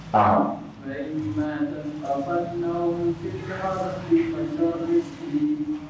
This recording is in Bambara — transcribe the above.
Aunɛinɛ batan yo siran